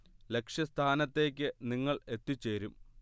ലക്ഷ്യസ്ഥാനത്തേക്ക് നിങ്ങൾ എത്തിച്ചേരും